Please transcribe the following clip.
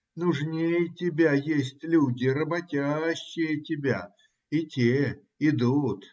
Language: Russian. Нужнее тебя есть люди, работящее тебя, и те идут.